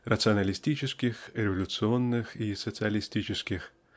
рационалистических, революционных и социалистических.